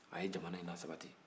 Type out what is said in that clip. a ye jamana in lasabati